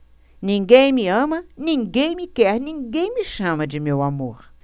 ninguém me ama ninguém me quer ninguém me chama de meu amor